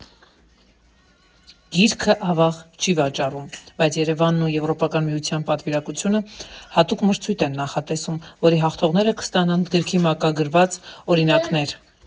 Գիրքը, ավաղ, չի վաճառվում, բայց ԵՐԵՎԱՆն ու Եվրոպական միության պատվիրակությունը հատուկ մրցույթ են նախատեսում , որի հաղթողները կստանան գրքի մակագրված օրինակներ։